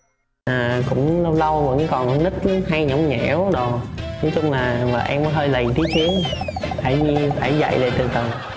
à cũng lâu lâu vẫn còn con nít hay nhõng nhẽo đồ nói chung là vợ em cũng hơi lầy tí xíu phải phải dạy lại từ từ